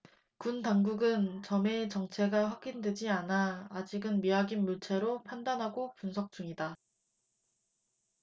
군 당국은 점의 정체가 확인되지 않아 아직은 미확인 물체로 판단하고 분석 중이다